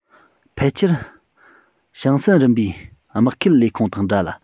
ཕལ ཆེར ཞིང སིན རིམ པའི དམག ཁུལ ལས ཁུངས དང འདྲ ལ